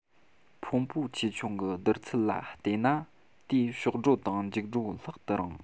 ཕུང པོའི ཆེ ཆུང གི བསྡུར ཚད ལས བལྟས ན དེའི གཤོག སྒྲོ དང མཇུག སྒྲོ ལྷག ཏུ རིང